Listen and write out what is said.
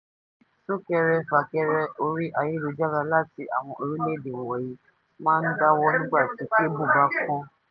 Súnkẹrẹ-fàkẹrẹ orí ayélujára láti àwọn orílẹ̀-èdè wọ̀nyìí máa ń dáwọ́ nígbà tí kébù bá kán.